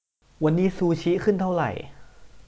วันนี้ซูชิขึ้นเท่าไหร่